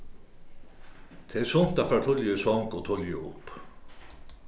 tað er sunt at fara tíðliga í song og tíðliga upp